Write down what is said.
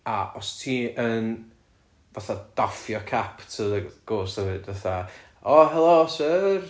a os ti yn fatha doffio cap to the ghost a mynd fatha "o helo syr"